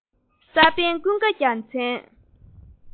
ས པན ཀུན དགའ རྒྱལ མཚན